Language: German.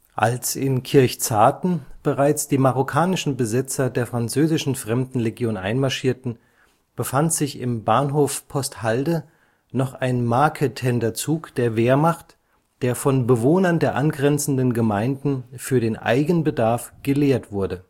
Als in Kirchzarten bereits die marokkanischen Besetzer der französischen Fremdenlegion einmarschierten, befand sich im Bahnhof Posthalde noch ein Marketenderzug der Wehrmacht, der von Bewohnern der angrenzenden Gemeinden für den Eigenbedarf geleert wurde